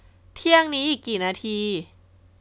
เที่ยงนี้อีกกี่นาที